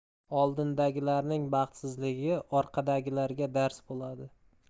oldindagilarning baxtsizligi orqadagilarga dars bo'ladi